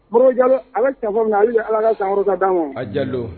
Modibo Jalo ala bɛ cɛnfɔ min na hali bi Ala ka sankɔrɔta d'a ma, a Jalo